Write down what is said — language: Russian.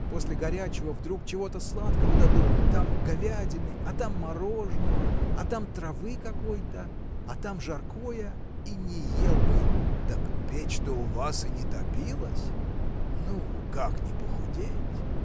После горячего вдруг чего-то сладкого дадут там говядины а там мороженого а там травы какой-то а там жаркое. и не ел бы! – Так печь-то у вас и не топилась? Ну как не похудеть!